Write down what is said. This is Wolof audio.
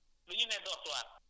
picc yi fi ñu leen di xeexee